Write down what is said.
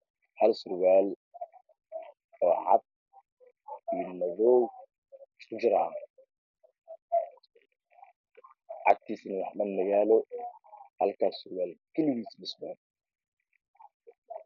Hal surwaal oo cad iyo madoow isku jir ah agtiisana waxbo mayaalaan waa halkaas xabo kaligiis